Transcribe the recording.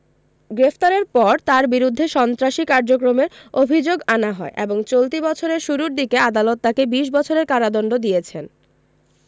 গ্রেপ্তারের পর তাঁর বিরুদ্ধে সন্ত্রাসী কার্যক্রমের অভিযোগ আনা হয় এবং চলতি বছরের শুরুর দিকে আদালত তাকে ২০ বছরের কারাদণ্ড দিয়েছেন